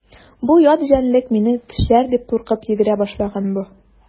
Бу ят җәнлек мине тешләр дип куркып йөгерә башлаган бу.